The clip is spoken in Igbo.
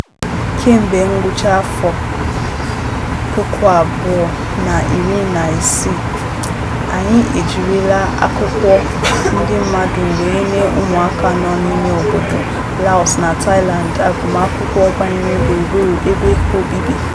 Kemgbe ngwụcha afọ 2016, anyị ejirila akụkọ ndị mmadụ wee nye ụmụaka nọ n'ime obodo Laos na Thailand agụmakwụkwọ banyere gburuburu ebe obibi.